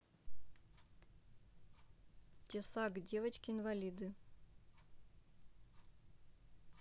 тесак девочки инвалиды